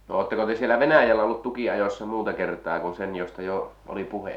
no oletteko te siellä Venäjällä ollut tukinajossa muuta kertaa kuin sen josta jo oli puhe